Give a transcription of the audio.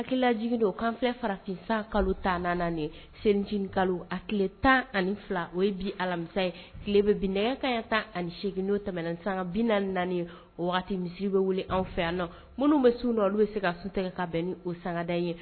Lajigi don o kanfɛ farafin san kalo tanan senc kalo a tile tan ani fila o ye bi alamisa ye tile bɛ kaya tan ani8'o tɛmɛn san4 o misi bɛ wele an fɛ yan na minnu bɛ su na olu bɛ se ka su tigɛ ka bɛn ni o sanda ye